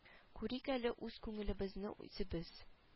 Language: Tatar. Күрик әле үз күңелебезне үзебез